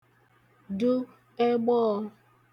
du agbọọ̄